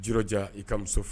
Jija i ka muso faa